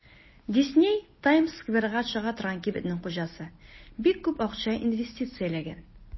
Дисней (Таймс-скверга чыга торган кибетнең хуҗасы) бик күп акча инвестицияләгән.